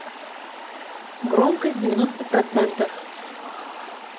громкость девяносто процентов